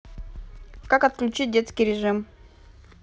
как отключить детский режим